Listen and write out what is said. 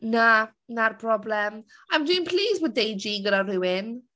Na 'na'r problem. A dwi'n pleased ma' Deiji gyda rhywun.